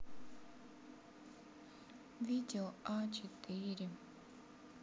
видео а четыре